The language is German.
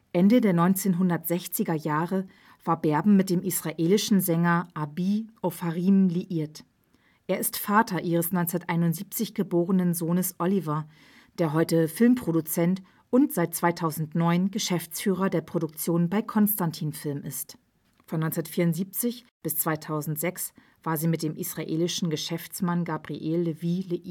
Ende der 1960er Jahre war Berben mit dem israelischen Sänger Abi Ofarim liiert. Er ist Vater ihres 1971 geborenen Sohnes Oliver, der heute Filmproduzent und seit 2009 Geschäftsführer der Produktion bei Constantin Film ist. Von 1974 bis 2006 war sie mit dem israelischen Geschäftsmann Gabriel Lewy